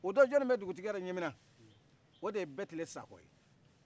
o don jɔnni bɛ dugutigiya la ɲɛminna o de ye bɛtile sakɔ